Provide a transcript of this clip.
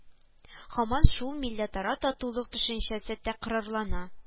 Һаман шул милләтара татулык төшенчәсе тәкърарлана